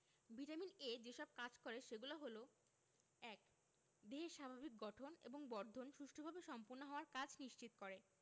Vitamin A যেসব কাজ করে সেগুলো হলো ১. দেহের স্বাভাবিক গঠন এবং বর্ধন সুষ্ঠুভাবে সম্পন্ন হওয়ার কাজ নিশ্চিত করে